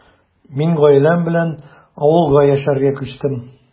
Мин гаиләм белән авылга яшәргә күчтем.